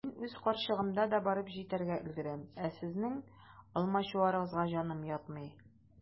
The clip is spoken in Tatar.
Мин үз карчыгымда да барып җитәргә өлгерәм, ә сезнең алмачуарыгызга җаным ятмый.